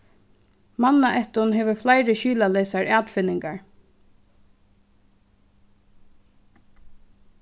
mannaættin hevur fleiri skilaleysar atfinningar